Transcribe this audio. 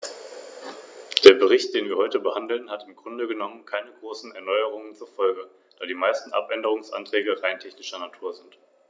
Daher hat die italienische Delegation der Demokratischen Partei beschlossen, sich der Stimme zu enthalten.